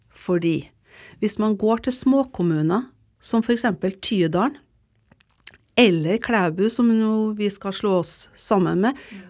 fordi hvis man går til småkommuner som f.eks. Tydalen eller Klæbu som vi nå vi skal slå oss sammen med.